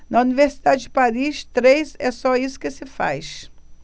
na universidade de paris três é só isso que se faz